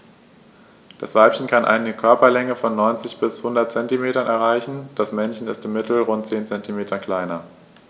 Das Weibchen kann eine Körperlänge von 90-100 cm erreichen; das Männchen ist im Mittel rund 10 cm kleiner.